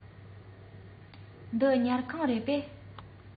འདི ཉལ ཁང རེད པས